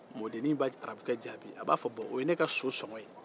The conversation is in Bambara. mɔdenni bɛ arabukɛ jaabi a b'a fɔ bɔn o ye ka so sɔgɔn ye